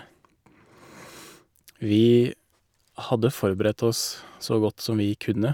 Vi hadde forberedt oss så godt som vi kunne.